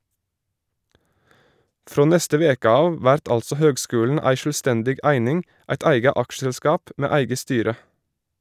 Frå neste veke av vert altså høgskulen ei sjølvstendig eining, eit eige aksjeselskap med eige styre.